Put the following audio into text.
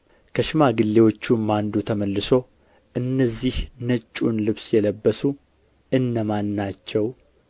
ከሽማግሌዎቹም አንዱ ተመልሶ እነዚህ ነጩን ልብስ የለበሱ እነማን ናቸው